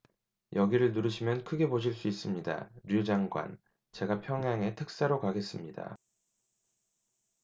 여기를 누르시면 크게 보실 수 있습니다 류 장관 제가 평양에 특사로 가겠습니다